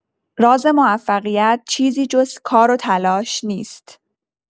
راز موفقیت چیزی جز کار و تلاش نیست.